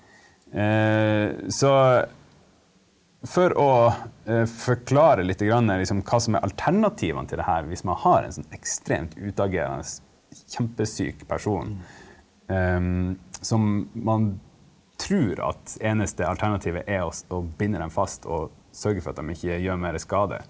så for å forklare lite grann liksom hva som er alternativene til det her hvis man har en sånn ekstremt utagerende kjempesyk person som man trur at eneste alternativet er å binde dem fast og sørge for at dem ikke gjør mer skade.